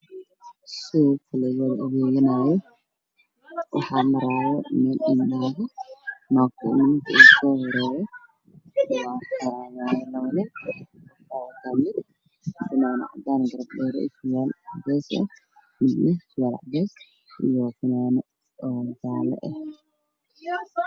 Meeshaan waxaa yaalo baar ka sameysan jaalo iyo cameer ku dhex jirto dhiiro ku dhex jirto moos